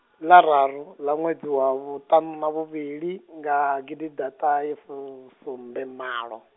ndi ḽa raru, ḽa ṅwedzi wa vhuṱaṋu na vhuvhili, nga, gidiḓaṱahefusumbemalo.